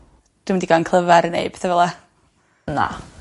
Dwi'm digon clyfar i neud petha fel 'a. Na.